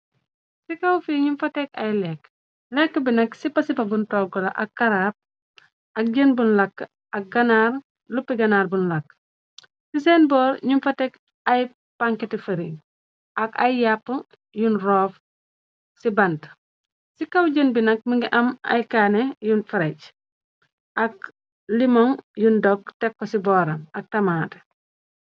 Ci kaw fi ñum fa tek ay lekk. Lekk bi nag sipasipa bun toggla ak karaab ak jënn bun làkk ak ganaar luppi ganaar bun làkk ci seen boor ñum fa tek ay panketi feri ak ay yàpp yun rov ci bant ci kaw jënn bi nag mi ngi am ay kanne yun freje ak limon yun dokg tekko ci booram ak tamaate.